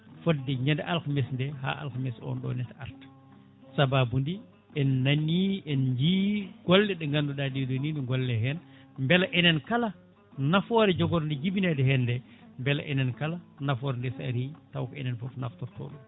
fodde ñande alkamisa nde ha alkamisa on ɗon ne arta saababude en nani en jii golle ɗe ganduɗa ɗeɗoni ne golle hen beele enen kala nafoore jogorde jibinede hen nde beele enen kala nafoore nde so ari taw ko enen foof naftorto ɗum